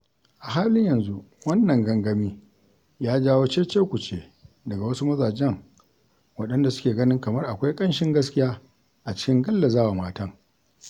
A halin yanzu, wannan gangami ya jawo cece-kuce daga wasu mazajen waɗanda suke ganin kamar akwai ƙanshin gaskiya a cikin gallazawa matan.